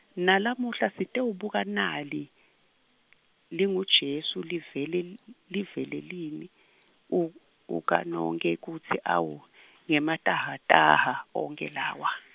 Nalamuhla sitewubuka nali, lelinguJesu livele l- livele lini, u uka nonkhe kutsi awu, ngematahhatahha onkhe lawa.